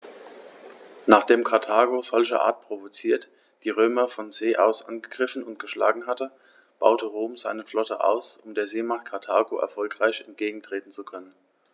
Nachdem Karthago, solcherart provoziert, die Römer von See aus angegriffen und geschlagen hatte, baute Rom seine Flotte aus, um der Seemacht Karthago erfolgreich entgegentreten zu können.